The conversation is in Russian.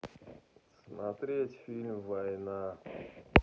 смотреть фильм война